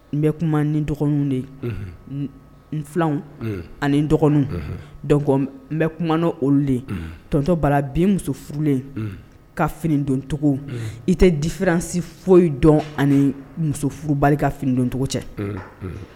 N bɛ kuma ni dɔgɔninw de filanw ani dɔgɔnin n bɛ kuma olulen tontɔ bala bi muso furulen ka finidoncogo i tɛ difiransi foyisi dɔn ani muso furuba ka finidoncogo cɛ